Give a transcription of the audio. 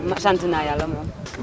ma sant naa yàlla moom